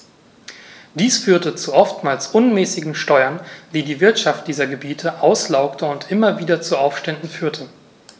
Dies führte zu oftmals unmäßigen Steuern, die die Wirtschaft dieser Gebiete auslaugte und immer wieder zu Aufständen führte.